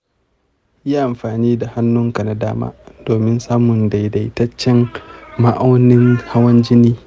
yi amfani da hannunka na dama domin samun daidaitaccen ma’aunin hawan jini.